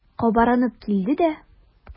Кабарынып килде дә.